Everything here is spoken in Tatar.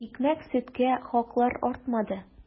Икмәк-сөткә хаклар артмады.